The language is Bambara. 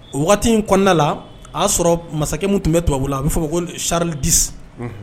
O waati in kɔnɔnada la a y'a sɔrɔ masakɛ min tun bɛ tubabu bolo a bɛ fɔ ko salidisi